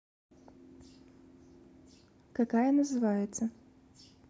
какая называется